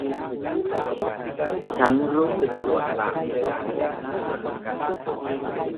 ฉันรู้สึกปวดหลังเวลาก้มหน้า